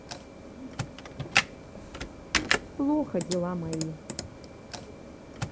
плохо дела мои